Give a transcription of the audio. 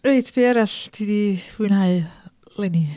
Reit be arall ti 'di fwynhau eleni?